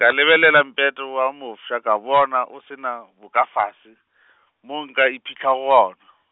ka lebelela Mpete wo mofsa ka bona o se na bokafase , mo nka iphihlago gona.